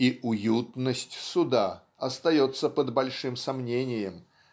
и "уютность" суда остается под большим сомнением